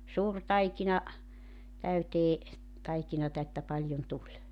suuri taikina täyteen taikinaa että paljon tuli